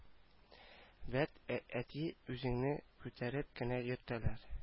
Вәт ә әти үзеңне күтәреп кенә йөртәләр